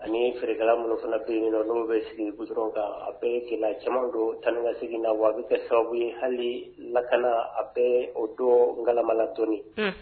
Ani feerekɛla minnu fana be yen ni nɔn nu bɛ sigi goudron kan . A bɛ gɛlɛya caman don taa ni ka segin na. Wa a bi kɛ sababu ye hali lakana a bi o don galama la dɔɔni.